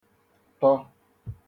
tọ